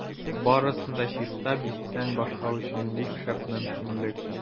Барысын да чиста биттән башлау өчен бик шәп мөмкинлек.